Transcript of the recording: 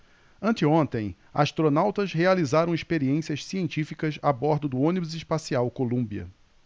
anteontem astronautas realizaram experiências científicas a bordo do ônibus espacial columbia